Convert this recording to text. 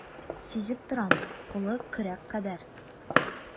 Сизеп торам, кулы көрәк кадәр.